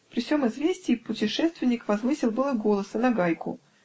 При сем известии путешественник возвысил было голос и нагайку